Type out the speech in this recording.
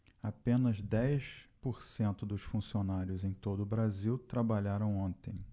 apenas dez por cento dos funcionários em todo brasil trabalharam ontem